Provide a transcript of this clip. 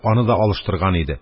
Аны да алыштырган иде.